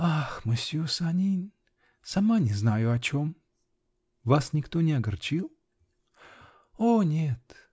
-- Ах, мосье Санин, сама не знаю о чем! -- Вас никто не огорчил? -- О нет!.